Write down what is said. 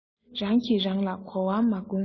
རང གི རང ལ གོ བ མ བསྐོན ན